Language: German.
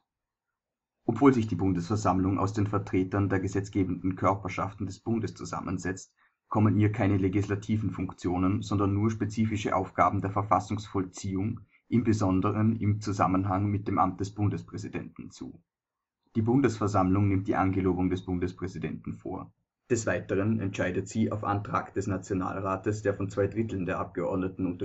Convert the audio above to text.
Obwohl sich die Bundesversammlung aus den Vertretern der gesetzgebenden Körperschaften des Bundes zusammensetzt, kommen ihr keine legislativen Funktionen, sondern nur spezifische Aufgaben der Verfassungsvollziehung, im Besonderen im Zusammenhang mit dem Amt des Bundespräsidenten, zu. Die Bundesversammlung nimmt die Angelobung des Bundespräsidenten vor. Des Weiteren entscheidet sie auf Antrag des Nationalrates - der von Zweidrittel der Abgeordneten